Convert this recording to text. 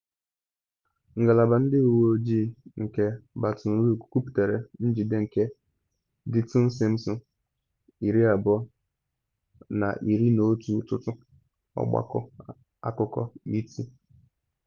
Ngalaba Ndị Uwe Ojii nke Baton Rouge kwuputere njide nke Dyteon Simpson, 20, na 11 ụtụtụ. Ọgbakọ akụkọ ET.